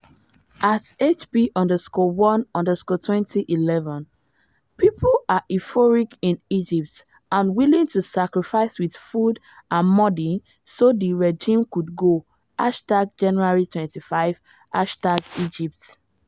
@HB_1_2011: 618: people are euphoric in egypt, and willing to sacrifice with food and money so the regime would go #jan25 #egypt